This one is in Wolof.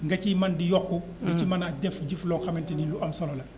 nga ciy mën di yokku di ci mën a jëf jëf yoo xamante ni yu am solo la